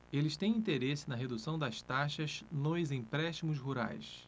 eles têm interesse na redução das taxas nos empréstimos rurais